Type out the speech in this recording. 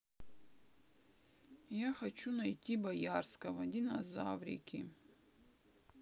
я хочу найти боярского динозаврики